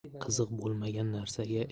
qiziq bo'lmagan narsaga